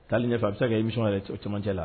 Taa'li ne fɛ a bɛ se kɛ i nisɔn yɛrɛ cɛmancɛ la